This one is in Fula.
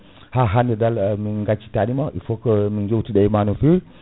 ha hande dal min gaccitanima il faut que min jewtida e ma no feewi